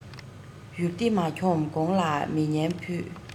ཡུལ སྡེ མ འཁྱོམས གོང ལ མི ངན ཕུད